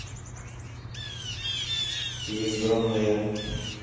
избранное